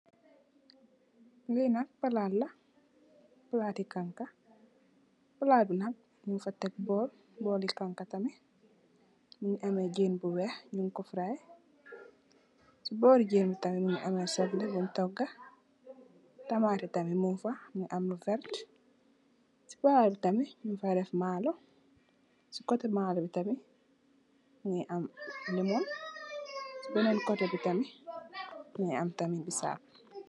Li nak palat la, palati kaka, palat bi nak nyungfa tekk bol, boli kaka tamit. Mungi ame jenbu weex, nyunko faray, si bori jenbi tamit, mungi ame sobleh buñ toga. Tamaate tamit mungfa, mungi ame lu verta, si palat bi tamit mungfa def malo, si cote malo bi tamit, mingi am limon. Si benen cotebi tamit, mingi am tamit bisabb.